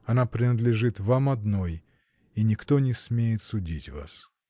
Она принадлежит вам одной, и никто не смеет судить вас.